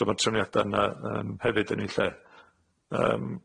So ma'r trefniada yna yym hefyd yn ei lle yym.